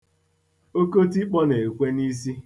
Oketikpọ ngwere na-ekwe n'isi.